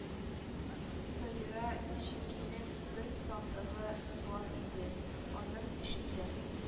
Сабира җиңгинең бер сандыгы бар иде: аның эчендә